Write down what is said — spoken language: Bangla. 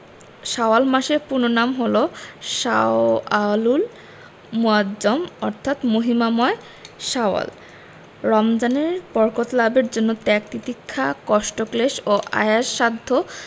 শাওয়াল মাসের পূর্ণ নাম হলো শাওয়ালুল মুআজ্জম অর্থাৎ মহিমাময় শাওয়াল রমজানের বরকত লাভের জন্য ত্যাগ তিতিক্ষা কষ্টক্লেশ ও আয়াস সাধ্য